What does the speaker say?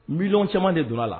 Million caman de donn'a la